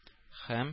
Һәм